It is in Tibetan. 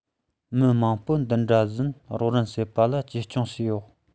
མི མང པོ འདི འདྲ བཞིན རོགས རམ བྱེད པ ལ གཅེས སྐྱོང བྱས ཡོད